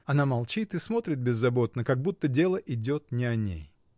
Она молчит и смотрит беззаботно, как будто дело идет не о ней.